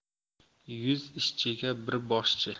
yuz ishchiga bir boshchi